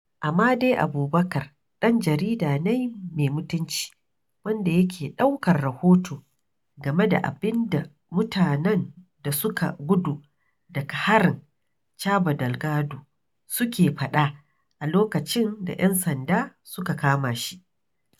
Amade Abubacar ɗan jarida ne mai mutumci wanda yake ɗaukar rahoto game da abin da mutanen da suka gudu daga harin Cabo Delgado suke faɗa a lokacin da 'yan sanda suka kama shi.